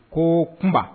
Ko kun